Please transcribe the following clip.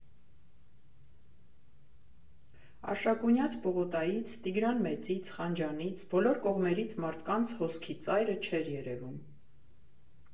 Արշակունյաց պողոտայից, Տիգրան Մեծից, Խանջյանից՝ բոլոր կողմերից մարդկանց հոսքի ծայրը չէր երևում։